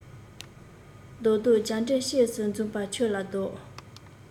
བཟློག བཟློག རྒྱ འདྲེ སྐྱེམས སུ བརྫུས པ ཁྱོད ལ བཟློག